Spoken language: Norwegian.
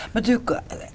men du .